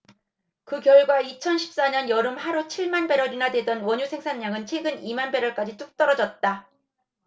그 결과 이천 십 사 년 여름 하루 칠 만 배럴이나 되던 원유 생산량은 최근 이 만 배럴까지 뚝 떨어졌다